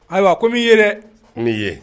Ayiwa ko n'i ye n ye